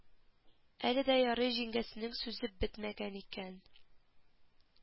Әле дә ярый җиңгәсенең сүзе бетмәгән икән